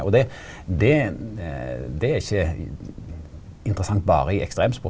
og det det det er ikkje interessant berre i ekstremsport.